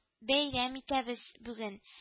Бәйрәм итәбез бүген